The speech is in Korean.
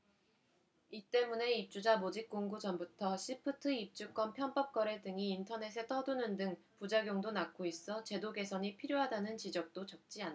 이 때문에 입주자 모집공고 전부터 시프트 입주권 편법 거래 등이 인터넷에 떠도는 등 부작용도 낳고 있어 제도 개선이 필요하다는 지적도 적지 않다